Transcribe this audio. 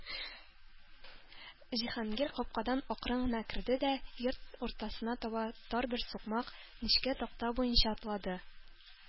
Җиһангир капкадан акрын гына керде дә йорт уртасына таба тар бер сукмак—нечкә такта буенча атлады.